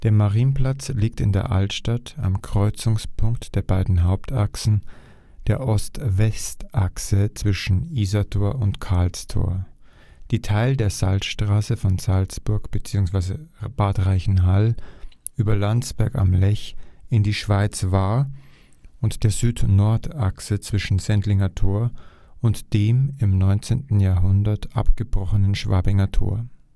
Marienplatz liegt in der Altstadt am Kreuzungspunkt der beiden Hauptachsen, der Ost-West-Achse zwischen Isartor und Karlstor, die Teil der Salzstraße von Salzburg bzw. Reichenhall über Landsberg am Lech in die Schweiz war, und der Süd-Nord-Achse zwischen Sendlinger Tor und dem im 19. Jahrhundert abgebrochenen Schwabinger Tor